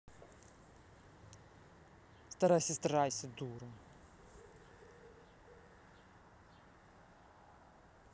старайся старайся дура